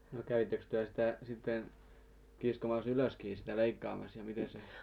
no kävittekös te sitä sitten kiskomassa ylöskin sitä leikkaamassa ja miten se